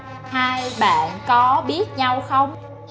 hai bạn có biết nhau không